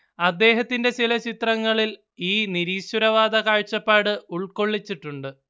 അദ്ദേഹത്തിന്റെ ചില ചിത്രങ്ങളിൽ ഈ നിരീശ്വരവാദ കാഴ്ചപ്പാട് ഉൾക്കൊള്ളിച്ചിട്ടുണ്ട്